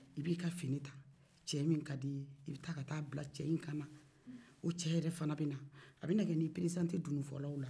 i b'i ka fini ta cɛ min ka d'i ye i bɛ taa ka taa bila cɛ in kan na o cɛ yɛrɛ fana bɛ na a bɛ na ka na e perezante dunufɔlaw la